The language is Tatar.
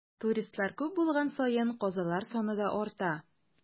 Туристлар күп булган саен, казалар саны да арта.